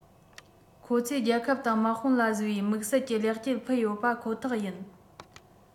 ཁོ ཚོས རྒྱལ ཁབ དང དམག དཔུང ལ བཟོས པའི དམིགས བསལ གྱི ལེགས སྐྱེས ཕུལ ཡོད པ ཁོ ཐག ཡིན